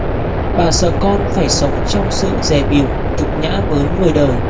bà sợ con phải sống trong sự dè bỉu nhục nhã với người đời